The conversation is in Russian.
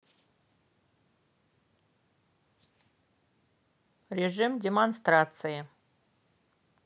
режим демонстрации